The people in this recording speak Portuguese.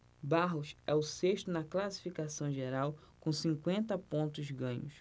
barros é o sexto na classificação geral com cinquenta pontos ganhos